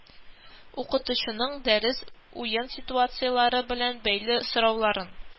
Укытучының дəрес, уен ситуациялəре белəн бəйле сорауларын,